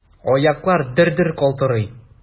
Аяклар дер-дер калтырый.